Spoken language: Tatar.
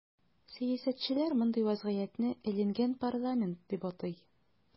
Сәясәтчеләр мондый вазгыятне “эленгән парламент” дип атый.